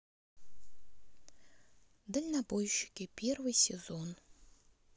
дальнобойщики первый сезон